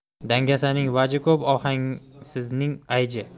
dangasaning vaji ko'p ohangsizning ayji